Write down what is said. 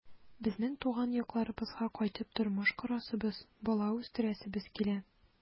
Безнең туган якларыбызга кайтып тормыш корасыбыз, бала үстерәсебез килә.